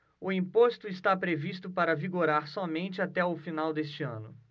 o imposto está previsto para vigorar somente até o final deste ano